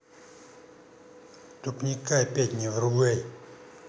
тупника опять не врубай